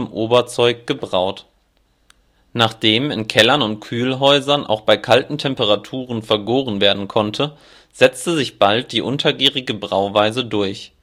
Oberzeug " gebraut. Nachdem in Kellern und Kühlhäusern auch bei kalten Temperaturen vergoren werden konnte, setzte sich bald die untergärige Brauweise durch